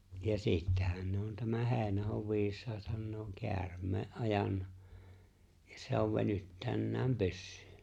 ja sittenhän ne on tämän Heinahon viisaathan ne on käärmeen ajanut ja se on venyttäynytkin pyssyyn